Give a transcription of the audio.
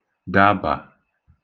dābà